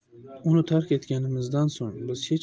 uni tark etganimizdan so'ng biz